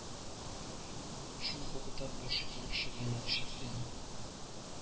Шул ук вакытта башкарып чыгарына шик тә